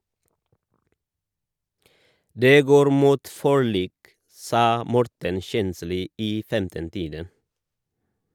- Det går mot forlik, sa Morten Kjensli i 15-tiden.